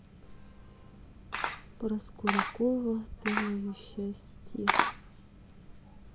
проскурякова ты мое счастье